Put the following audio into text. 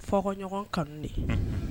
Fɔkoɲɔgɔn kanu de